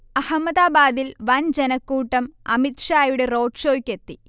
അഹമ്മദാബാദിൽ വൻ ജനക്കൂട്ടം അമിത്ഷായുടെ റോഡ് ഷോയ്ക്കെത്തി